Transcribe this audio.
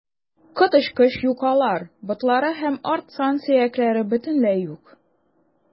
Коточкыч юкалар, ботлары һәм арт сан сөякләре бөтенләй юк.